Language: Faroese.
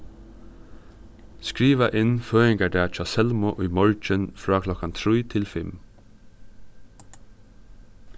skriva inn føðingardag hjá selmu í morgin frá klokkan trý til fimm